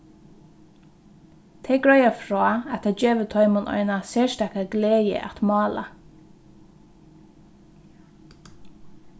tey greiða frá at tað gevur teimum eina serstaka gleði at mála